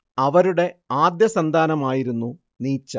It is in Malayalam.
അവരുടെ ആദ്യസന്താനമായിരുന്നു നീച്ച